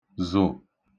zụ̀